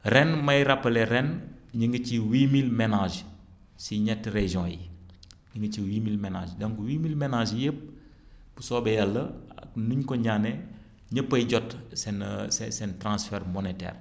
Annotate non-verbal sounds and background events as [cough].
ren may rappelé ren ñi ngi ci huit mille ménages si ñetti régions yi ñu ngi ci huit mille ménages donc huit mille ménages yépp bu soobee Yàlla nu ñu ko ñaanee ñépp ay jot seen [hesitation] seen seen transfert monétaire